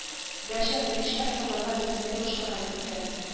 Гәрчә белгечләр казанда бөтенләй башка хәл көткән